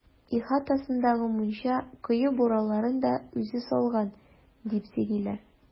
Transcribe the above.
Ихатасындагы мунча, кое бураларын да үзе салган, дип тә сөйлиләр.